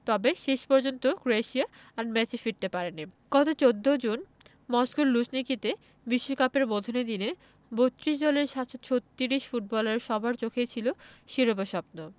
তবে শেষ পর্যন্ত ক্রোয়েশিয়া আর ম্যাচে ফিরতে পারেনি গত ১৪ জুন মস্কোর লুঝনিকিতে বিশ্বকাপের বোধনের দিনে ৩২ দলের ৭৩৬ ফুটবলারের সবার চোখেই ছিল শিরোপা স্বপ্ন